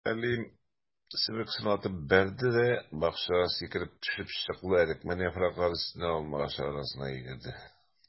Хәлим, себеркесен атып бәрде дә, бакчага сикереп төшеп, чыклы әрекмән яфраклары өстеннән алмагачлар арасына йөгерде.